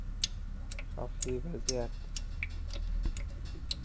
xavfli vaziyat